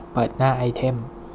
เปิดหน้าไอเท็ม